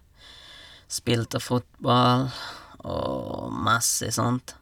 Spilte fotball og masse sånt.